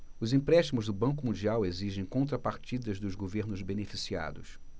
os empréstimos do banco mundial exigem contrapartidas dos governos beneficiados